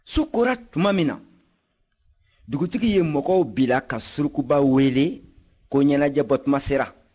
su kora tuma min na dugutigi ye mɔgɔ bila ka surukuba weele ko ɲɛnajɛ bɔtuma sera